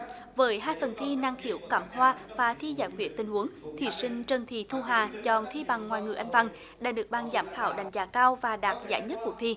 với hai phần thi năng khiếu cắm hoa và thi giải quyết tình huống thí sinh trần thị thu hà chọn thi bằng ngoại ngữ anh văn đã được ban giám khảo đánh giá cao và đạt giải nhất cuộc thi